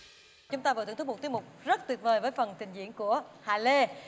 chúng ta vừa thưởng thức một tiết mục rất tuyệt vời với phần trình diễn của hà lê